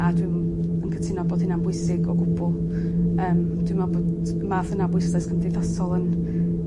A dwi'm yn cytuno bod hyna'n bwysig o gwbwl yym dwi me'wl bod y math yna o bwyslais cymdeithasol yn